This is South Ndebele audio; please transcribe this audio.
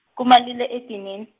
kumalila edinini.